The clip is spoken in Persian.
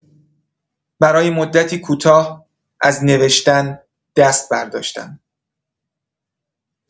برای مدتی کوتاه از نوشتن دست برداشتم